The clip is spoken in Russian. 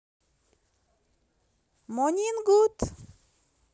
morning good